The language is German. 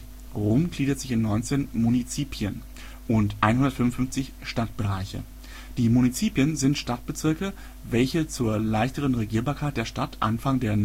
Rom gliedert sich in 19 Munizipien und 155 Stadtbereiche. Die Munizipien sind Stadtbezirke, welche zur leichteren Regierbarkeit der Stadt Anfang der